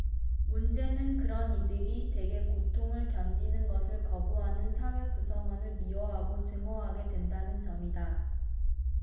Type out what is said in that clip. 문제는 그런 이들이 대개 고통을 견디는 것을 거부하는 사회 구성원을 미워하고 증오하게 된다는 점이다